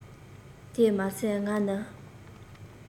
དེར མ ཟད ང ནི